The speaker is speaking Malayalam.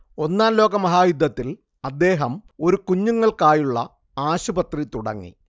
ഒന്നാം ലോകമഹായുദ്ധത്തിൽ അദ്ദേഹം ഒരു കുഞ്ഞുങ്ങൾക്കായുള്ള ആശുപത്രി തുടങ്ങി